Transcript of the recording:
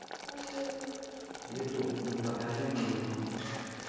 youtube ну покажи мне youtube